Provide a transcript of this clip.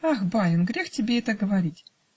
-- "Ах, барин, грех тебе это говорить